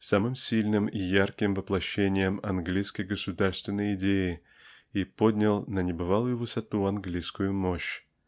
самым сильным и ярким воплощением английской государственной идеи и поднял на небывалую высоту английскую мощь.